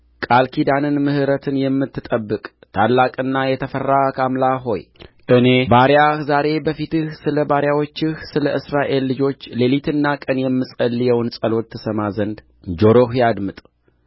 ቃል ኪዳንንና ምሕረትን የምትጠብቅ ታላቅና የተፈራህ አምላክ ሆይ እኔ ባሪያህ ዛሬ በፊትህ ስለ ባሪያዎችህ ስለ እስራኤል ልጆች ሌሊትና ቀን የምጸልየውን ጸሎት ትሰማ ዘንድ ጆሮህ ያድምጥ